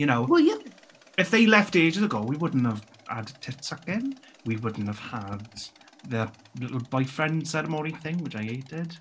You know?... well yo- ...if they left ages ago we wouldn't have had tit sucking. We wouldn't have had the little boyfriend ceremony thing which I hated.